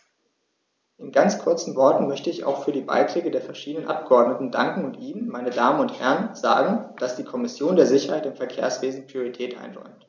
In ganz kurzen Worten möchte ich auch für die Beiträge der verschiedenen Abgeordneten danken und Ihnen, meine Damen und Herren, sagen, dass die Kommission der Sicherheit im Verkehrswesen Priorität einräumt.